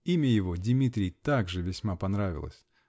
Имя его: "Димитрий" -- также весьма понравилось.